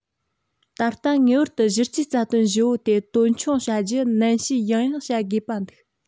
ད ལྟ ངེས པར དུ གཞི རྩའི རྩ དོན བཞི པོ དེ མཐའ འཁྱོངས བྱ རྒྱུ ནན བཤད ཡང ཡང བྱ དགོས པ འདུག